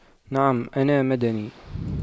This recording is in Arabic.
نعم أنا مدني